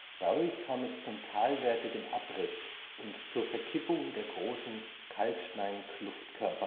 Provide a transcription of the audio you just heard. Dadurch kam es zum talwärtigen Abriss und zur Verkippung der großen Kalksteinkluftkörper